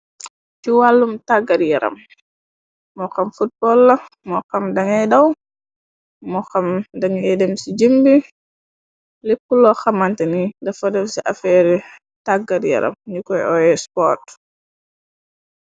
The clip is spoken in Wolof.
Ci wàllum tàggar yaram moo xam fotballa moo xam dangay daw moo xam dangay dem ci jimbi lépp lo xamante ni dafa del ci afeeru tàggar yaram ñu koy oy sport.